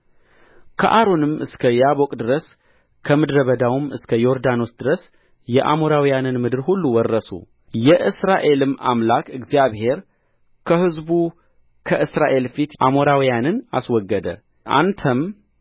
ከአርኖንም እስከ ያቦቅ ድረስ ከምድረ በዳውም እስከ ዮርዳኖስ ድረስ የአሞራውያንን ምድር ሁሉ ወረሱ የእስራኤልም አምላክ እግዚአብሔር ከሕዝቡ ከእስራኤል ፊት አሞራውያንን አስወገደ አንተም